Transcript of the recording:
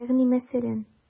Ягъни мәсәлән?